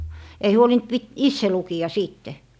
ei huolinut - itse lukea sitten